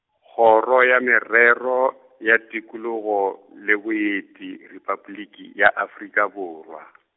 Kgoro ya Merero, ya Tikologo, le Boeti, Repabliki ya Afrika borwa .